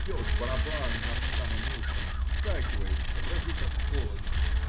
бьет барабан над самым ухом, вскакиваешь, дрожишь от холода.